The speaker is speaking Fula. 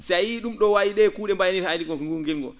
si a yiyii ?um ?oo wayi ?ee kuu?e mbayii ni tan anndu ko nguu ngilngu